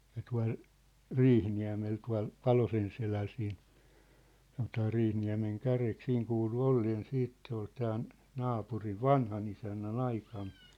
ja tuolla Riihiniemellä tuolla Palosenselällä siinä sanotaan Riihiniemenkärjeksi siinä kuului olleen sitten se oli tämän naapurin vanhanisännän aikana